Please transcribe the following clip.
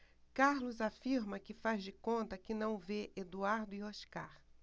carlos afirma que faz de conta que não vê eduardo e oscar